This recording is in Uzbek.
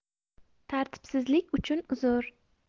tartibsizlik uchun uzur